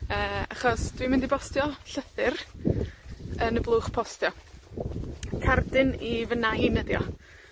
Yy, achos dwi'n mynd i bostio llythyr, yn y blwch postio. Cardyn i fy nain ydi o.